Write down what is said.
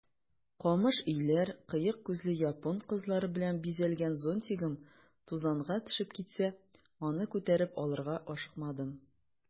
Камыш өйләр, кыек күзле япон кызлары белән бизәлгән зонтигым тузанга төшеп китсә, аны күтәреп алырга ашыкмадым.